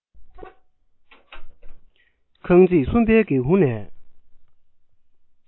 ཁང བརྩེགས གསུམ པའི སྒེའུ ཁུང ནས